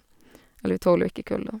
Eller vi tåler jo ikke kulde.